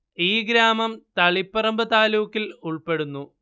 ഈ ഗ്രാമം തളിപ്പറമ്പ് താലൂക്കിൽ ഉൾപ്പെടുന്നു